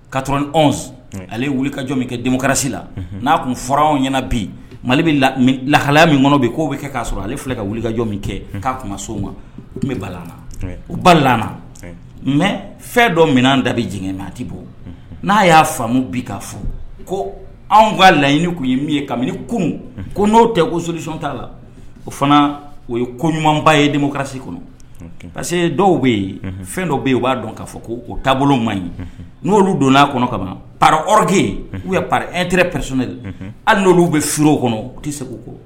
Katr ale wulikajɔ min kɛ denmusosi la n'a tun fɔra anw ɲɛna bi mali bɛ lahaya min kɔnɔ yen k'o bɛ kɛ k'a sɔrɔ ale filɛ ka wuli kajɔ min kɛ k'a kuma sow ma u tun bɛ ba u ba mɛ fɛn dɔ minɛnan da bɛ jigin ma a tɛ bɔ n'a y'a faamumu bi k' fo ko anw kaa laɲiniini tun ye min ye kabini kunun ko n'o tɛ ko sosɔn ta la o fana o ye ko ɲumanba ye denmusosi kɔnɔ parce que dɔw bɛ yen fɛn dɔ bɛ yen'a dɔn k'a fɔ ko'o taabolo man ɲi n'oolu donna n'a kɔnɔ kama paɔrike yen u ye pa etr prese dɛ hali n'olu bɛ sw kɔnɔ u tɛ se k' kɔ